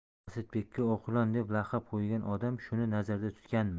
asadbekka o'qilon deb laqab qo'ygan odam shuni nazarda tutganmi